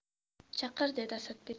chaqir dedi asadbek